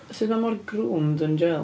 Sut mae o mor groomed yn jail?